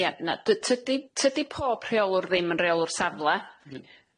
Ie, na dy- tydi tydi pob rheolwr ddim yn reolwr safle,